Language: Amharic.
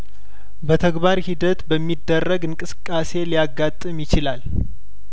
በተግባር ሂደት በሚደረግ እንቅስቃሴ ሊያጋጥም ይችላል